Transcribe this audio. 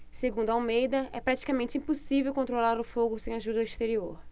segundo almeida é praticamente impossível controlar o fogo sem ajuda exterior